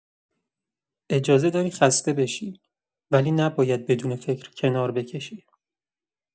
اجازه داری خسته بشی، ولی نباید بدون فکر کنار بکشی.